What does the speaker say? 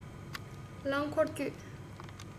རླང འཁོར བསྐྱོད